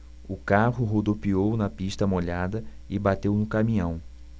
o carro rodopiou na pista molhada e bateu no caminhão